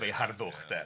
efo'i harddwch de